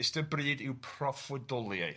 Ystyr bryd y'w proffodoliaeth.